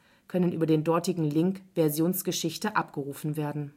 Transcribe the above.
Pseudotrapelus sinaitus werneri